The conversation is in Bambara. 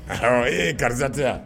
Ayiwah ee karisa tɛ yan